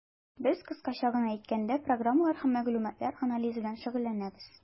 Без, кыскача гына әйткәндә, программалар һәм мәгълүматлар анализы белән шөгыльләнәбез.